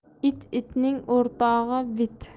it itning o'rtog'i bit